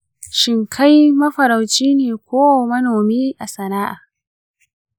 shin kai mafarauci ne ko manomi a sana’a?